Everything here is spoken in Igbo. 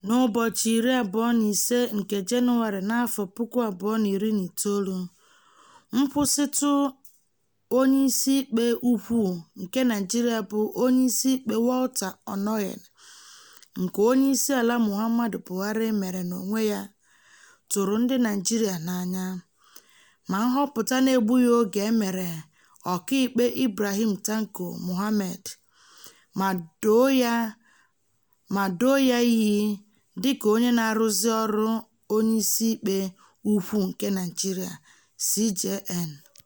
N'ụbọchị 25 nke Jenụwarị, 2019, nkwụsịtụ Onyeisiikpe Ukwu nke Naịjirịa bụ Onyeisiikpe Walter Onnoghen nke Onyeisiala Muhammadu Buhari mere n'onwe ya tụrụ ndị Naịjirịa n'anya, ma nhọpụta na-egbughị oge e mere Ọkaikpe Ibrahim Tanko Muhammad ma doo ya iyi dịka onye na-arụzị ọrụ Onyeisiikpe Ukwu nke Naịjirịa (CJN).